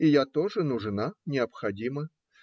И я тоже нужна, необходима.